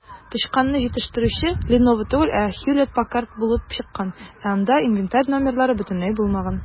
Тычканны җитештерүче "Леново" түгел, ә "Хьюлетт-Паккард" булып чыккан, ә анда инвентарь номерлары бөтенләй булмаган.